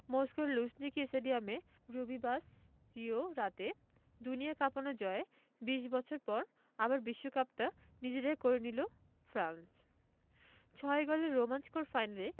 মস্কোর লুঝনিকি স্টেডিয়ামে রবিবাসরীয় রাতে দুনিয়া কাঁপানো জয়ে ২০ বছর পর আবার বিশ্বকাপটা নিজেদের করে নিল ফ্রান্স ছয় গোলের রোমাঞ্চকর ফাইনালে